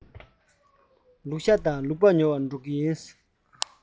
ལུག ཤ དང ལུག ལྤགས ཉོ བར འགྲོ གི ཡིན